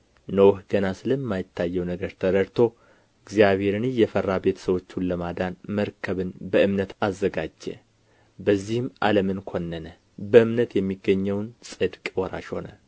ኖኅ ገና ስለማይታየው ነገር ተረድቶ እግዚአብሔርን እየፈራ ቤተ ስዎቹን ለማዳን መርከብን በእምነት አዘጋጀ በዚህም ዓለምን ኰነነ በእምነትም የሚገኘውን ጽድቅ ወራሽ ሆነ